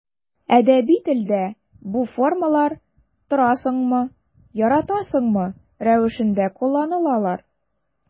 Әдәби телдә бу формалар торасыңмы, яратасыңмы рәвешендә кулланылалар.